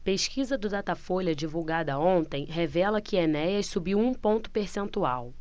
pesquisa do datafolha divulgada ontem revela que enéas subiu um ponto percentual